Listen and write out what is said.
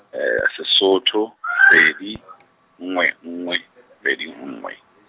Sesotho, pedi , nngwe nngwe, pedi nngwe.